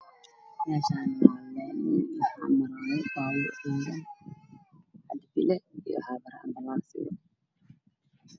Meeshaani waa laami xamar waaye baabuur iyo cabdi bile ayaa maraayo iyo ambalaas